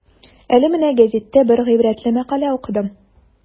Әле менә гәзиттә бер гыйбрәтле мәкалә укыдым.